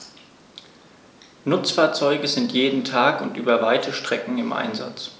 Nutzfahrzeuge sind jeden Tag und über weite Strecken im Einsatz.